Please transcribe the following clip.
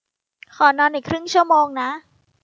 ขอนอนอีกครึ่งชั่วโมงนะ